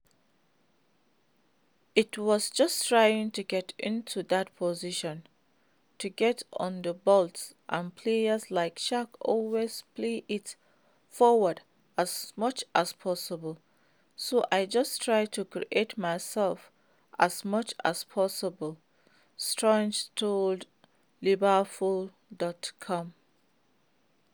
"It was just trying to get into that position, to get on the ball and players like Shaq always play it forward as much as possible, so I just tried to create myself as much time as possible," Sturridge told LiverpoolFC.com.